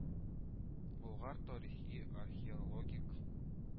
Болгар тарихи-архиологик